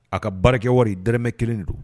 A ka barikakɛ wari dmɛ kelen de don